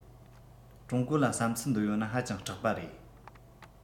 ཀྲུང གོ ལ བསམ ཚུལ འདི ཡོད ན ཧ ཅང སྐྲག པ རེད